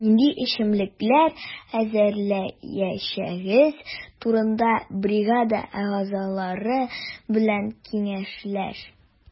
Нинди эчемлекләр әзерләячәгегез турында бригада әгъзалары белән киңәшләш.